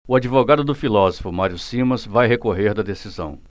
o advogado do filósofo mário simas vai recorrer da decisão